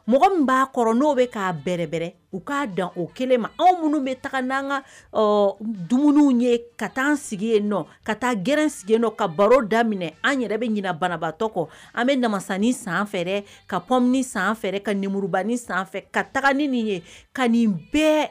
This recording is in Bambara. Mɔgɔ min b'a kɔrɔ n'o bɛ'a bɛrɛɛrɛ u k' dan o kelen ma anw minnu bɛ taga n' an ka dumuni ye ka taa sigi yen nɔ ka taa gsigi nɔ ka baro da minɛ an yɛrɛ bɛ ɲin banabatɔ kɔ an bɛ namasanin san fɛɛrɛ kaɔ san fɛɛrɛ ka ninmuruban san ka taga ni ye ka nin bɛɛ